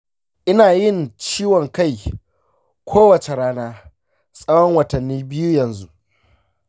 ina yin ciwon kai kowace rana tsawon watanni biyu yanzu.